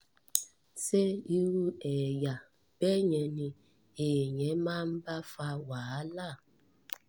Ṣé irú èèyàb bẹ́ẹ̀ yẹn ni èèyàn máa bá fa wàhálà?”